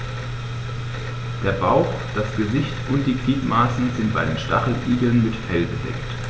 Der Bauch, das Gesicht und die Gliedmaßen sind bei den Stacheligeln mit Fell bedeckt.